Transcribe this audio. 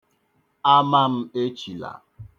Ama m echila.